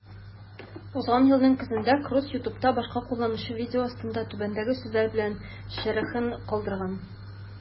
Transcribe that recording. Узган елның көзендә Круз YouTube'та башка кулланучы видеосы астында түбәндәге сүзләр белән шәрехен калдырган: